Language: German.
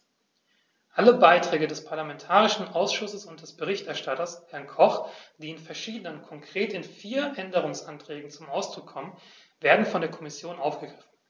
Alle Beiträge des parlamentarischen Ausschusses und des Berichterstatters, Herrn Koch, die in verschiedenen, konkret in vier, Änderungsanträgen zum Ausdruck kommen, werden von der Kommission aufgegriffen.